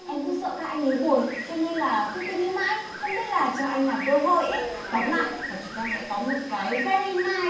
em cứ sợ các anh ý buồn cho nên là cứ suy nghĩ mãi không biết là cho anh là cơ hội ý tóm lại là chúng ta sẽ có một cái va li lai